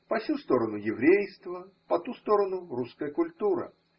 По ею сторону– еврейство, по ту сторону – русская культура.